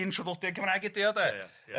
un traddodiad Cymraeg ydi o 'de... Ia ia...